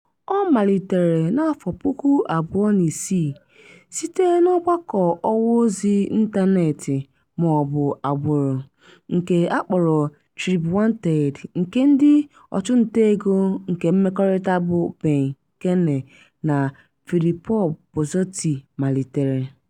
Ọ malitere n'afọ puku abụọ na isii (2006) site n'ọgbakọ ọwaozi ntanetị maọbụ "agbụrụ" nke akpọrọ TribeWanted nke ndị ọchụntaego nke mmekọrịta bụ Ben Keene na Fillippo Bozotti malitere.